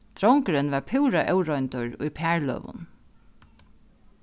drongurin var púra óroyndur í parløgum